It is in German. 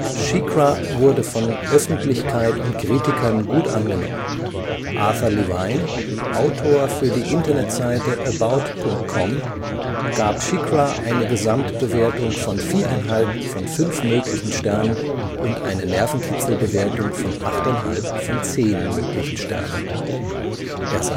SheiKra wurde von Öffentlichkeit und Kritikern gut angenommen. Arthur Levine, Autor für die Internetseite About.com, gab SheiKra eine Gesamtbewertung von viereinhalb von fünf möglichen Sternen und eine Nervenkitzel-Bewertung von achteinhalb von zehn möglichen Sternen: „ Es